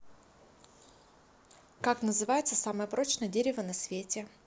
как называется самое прочное дерево на свете